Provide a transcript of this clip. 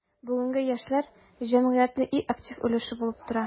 Бүгенге яшьләр – җәмгыятьнең иң актив өлеше булып тора.